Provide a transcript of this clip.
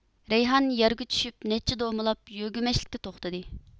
رەيھان يەرگە چۈشۈپ نەچچە دومىلاپ يۆگىمەچلىكتە توختىدى